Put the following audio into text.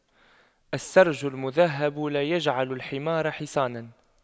السَّرْج المُذهَّب لا يجعلُ الحمار حصاناً